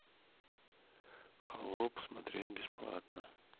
холоп смотреть бесплатно